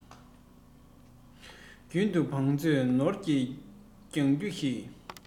རྒྱུན དུ བང མཛོད ནོར གྱིས བརྒྱང རྒྱུ གྱིས